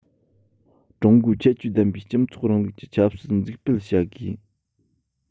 ཀྲུང གོའི ཁྱད ཆོས ལྡན པའི སྤྱི ཚོགས རིང ལུགས ཀྱི ཆབ སྲིད འཛུགས སྤེལ བྱ དགོས